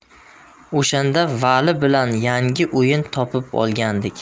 o'shanda vali bilan yangi o'yin topib olgandik